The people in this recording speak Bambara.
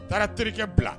A taara terikɛ bila